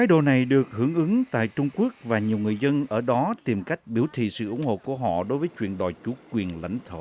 đồ này được hưởng ứng tại trung quốc và nhiều người dân ở đó tìm cách biểu thị sự ủng hộ của họ đối với chuyện đòi chủ quyền lãnh thổ